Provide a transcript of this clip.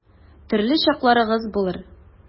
Төрле чакларыгыз булыр.